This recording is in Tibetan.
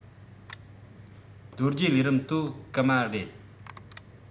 རྡོ རྗེ ལས རིམ དོ གུ མ རེད